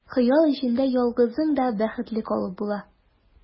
Хыял эчендә ялгызың да бәхетле калып була.